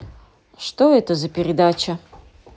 что это за передача